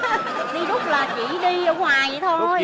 đi đút là chỉ đi ở ngoài vậy thôi